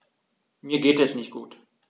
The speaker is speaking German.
Mir geht es nicht gut.